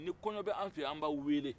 ni kɔɲɔ b'an fɛ an b'aw wele